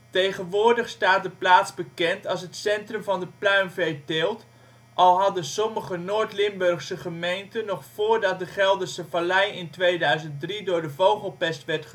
Tegenwoordig staat de plaats bekend als het centrum van de pluimveeteelt, al hadden sommige Noord-Limburgse gemeenten nog voordat de Gelderse Vallei in 2003 door de vogelpest werd getroffen